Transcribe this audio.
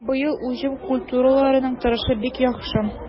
Быел уҗым культураларының торышы бик яхшы.